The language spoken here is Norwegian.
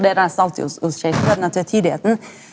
det er det nesten alltid hos hos Shakespeare, den her tvitydigheita.